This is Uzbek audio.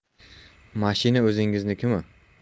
mashina o'zingiznikimi